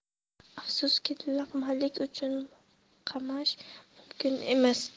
afsuski laqmalik uchun qamash mumkin emas